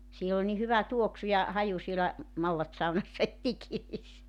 siellä oli niin hyvä tuoksu ja haju siellä mallassaunassa että ikiinsä